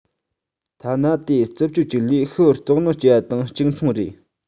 ཐ ན དེ རྩུབ སྤྱོད ཅིག ལས ཤི བར དོགས སྣང སྐྱེས པ དང གཅིག མཚུངས རེད